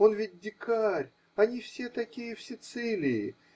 Он ведь дикарь, они все такие в Сицилии